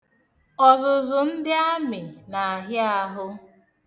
Ọzụzụ ndị amị na-ahịa ahụ.